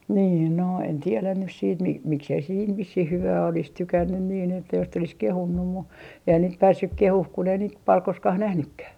niin no en tiedä nyt sitten - miksi ei se siinä vissiin hyvää olisi tykännyt niin että jos sitten olisi kehunut mutta eihän niitä päässyt kehumaan kun ei niitä paljon koskaan nähnytkään